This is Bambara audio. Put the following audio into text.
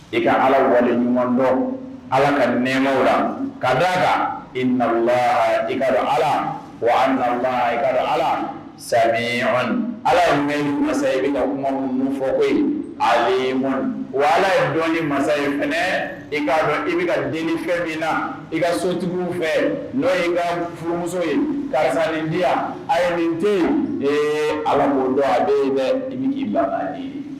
I ka ala wa ɲumandɔn ala ka nɛma la ka da la i na i ka dɔn ala i ka ala sa ɲɔgɔn ala ye masa ye ka fɔ ko ye a wala ye dɔn ni masayi fana i ka i bɛ ka den fɛn min na i ka sotigiw fɛ n'o in ka furumuso ye karisa diya a ye nin den ee ala'o don a bɛ i ba ye